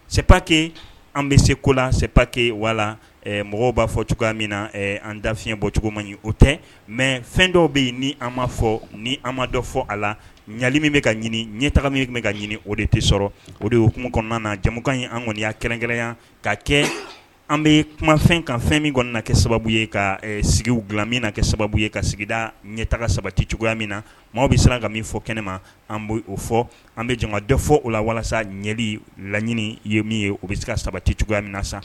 Se pake an bɛ se ko la se pakɛ wala mɔgɔw b'a fɔ cogoya min na an da fiɲɛyɛn bɔcogo ma ɲi o tɛ mɛ fɛn dɔw bɛ ni an ma fɔ ni an ma dɔ fɔ a la ɲali min bɛ ka ɲini ɲɛ taga min bɛ ka ɲini o de tɛ sɔrɔ o de y ookumu kɔnɔna na jamukan ye an kɔniya kɛrɛnkɛrɛnya ka kɛ an bɛ kumafɛn ka fɛn ming na kɛ sababu ye ka sigi dilan min na kɛ sababu ye ka sigida ɲɛ taga sabati cogoyaya min na maaw bɛ siran ka min fɔ kɛnɛma an oo fɔ an bɛ jama dɔ fɔ o la walasa ɲɛli laɲini ye min ye o bɛ se ka sabati cogoyaya min na sa